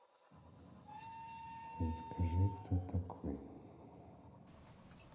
расскажи кто такой